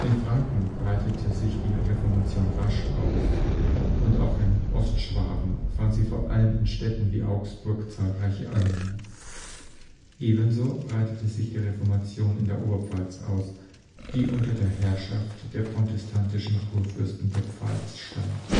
Franken breitete sich die Reformation rasch aus, und auch in Ostschwaben fand sie vor allem in Städten wie Augsburg zahlreiche Anhänger. Ebenso breitete sich die Reformation in der Oberpfalz aus, die unter der Herrschaft der protestantischen Kurfürsten der Pfalz stand